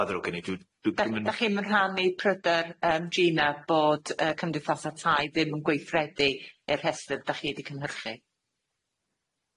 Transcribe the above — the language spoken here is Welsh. Ma ddrwg gen i dwi dwi'm yn... Dach chi'm yn rhannu pryder yym Gina bod yy cymdeithasa' tai ddim yn gweithredu i'r rhestyr dach chi ydi cymhyrchu?